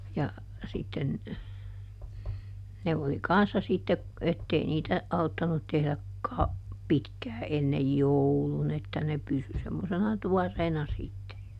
ja sitten ne oli kanssa sitten että ei niitä auttanut tehdä - pitkään ennen joulun että ne pysyi semmoisena tuoreena sitten